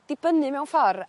dibynnu mewn ffor